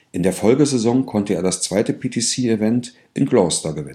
In der Folgesaison konnte er das zweite PTC-Event in Gloucester